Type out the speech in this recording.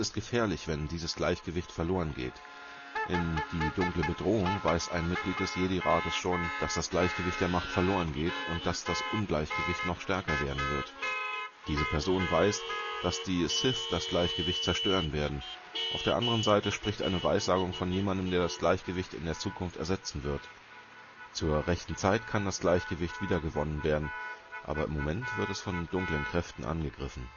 gefährlich, wenn dieses Gleichgewicht verloren geht. In Die Dunkle Bedrohung weiß ein Mitglied des Jedi-Rats schon, dass das Gleichgewicht der Macht verloren geht, und dass das Ungleichgewicht noch stärker werden wird. Diese Person weiß, dass die Sith das Gleichgewicht zerstören werden. Auf der anderen Seite spricht eine Weissagung von jemandem, der das Gleichgewicht in der Zukunft ersetzen wird. Zur rechten Zeit kann das Gleichgewicht wiedergewonnen werden, aber im Moment wird es von dunklen Kräften angegriffen